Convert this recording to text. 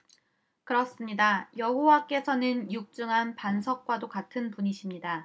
그렇습니다 여호와께서는 육중한 반석과도 같은 분이십니다